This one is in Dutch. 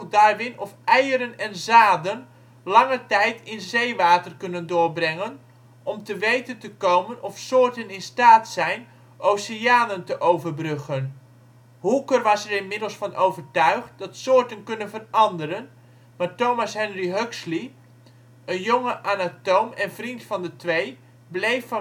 Darwin of eieren en zaden lange tijd in zeewater kunnen doorbrengen, om te weten te komen of soorten in staat zijn oceanen te overbruggen. Hooker was er inmiddels van overtuigd dat soorten kunnen veranderen, maar Thomas Henry Huxley, een jonge anatoom en vriend van de twee, bleef